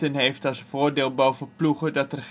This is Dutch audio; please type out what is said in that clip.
heeft als voordeel boven ploegen dat